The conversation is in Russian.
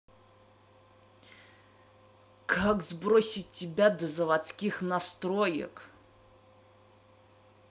как сбросить тебя до заводских настроек